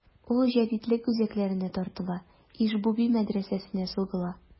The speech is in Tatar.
Ул җәдитлек үзәкләренә тартыла: Иж-буби мәдрәсәсенә сугыла.